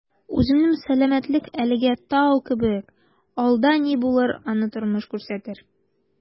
Үземнең сәламәтлек әлегә «тау» кебек, алда ни булыр - аны тормыш күрсәтер...